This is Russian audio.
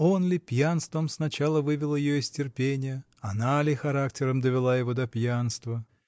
Он ли пьянством сначала вывел ее из терпения, она ли характером довела его до пьянства?